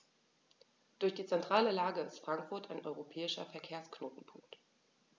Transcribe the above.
Durch die zentrale Lage ist Frankfurt ein europäischer Verkehrsknotenpunkt.